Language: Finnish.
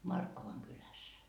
Markkovan kylässä